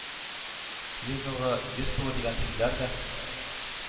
«йөз нуры, «йөз суы» дигән сүзләр дә